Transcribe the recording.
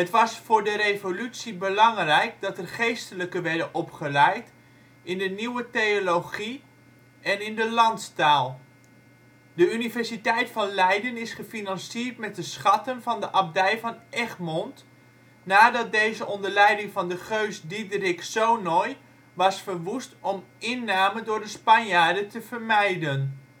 was voor de revolutie belangrijk dat er geestelijken werden opgeleid in de nieuwe theologie en in de landstaal. De Universiteit van Leiden is gefinancierd met de schatten van de Abdij van Egmond nadat deze onder leiding van de geus Diederik Sonoy was verwoest om inname door de Spanjaarden te vermijden